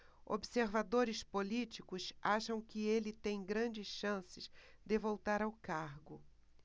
observadores políticos acham que ele tem grandes chances de voltar ao cargo